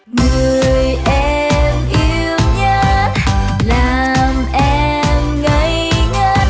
người em yêu nhất làm em ngây ngất